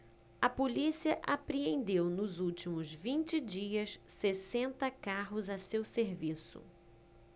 a polícia apreendeu nos últimos vinte dias sessenta carros a seu serviço